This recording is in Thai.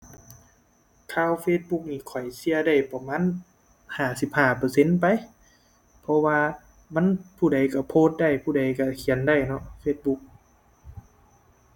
ข่าว Facebook นี่ข้อยเชื่อได้ประมาณห้าสิบห้าเปอร์เซ็นต์ไป เพราะว่ามันผู้ใดเชื่อโพสต์ได้ ผู้ใดเชื่อเขียนได้เนาะ Facebook